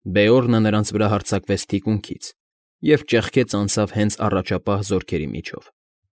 Բեորնը նրանց վրա հարձակվեց թիկունքից և ճեղքեց անցավ հենց առաջապահ զորքերի միջով։